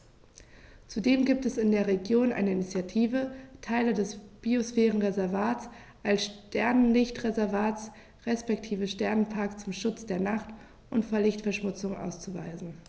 Zudem gibt es in der Region eine Initiative, Teile des Biosphärenreservats als Sternenlicht-Reservat respektive Sternenpark zum Schutz der Nacht und vor Lichtverschmutzung auszuweisen.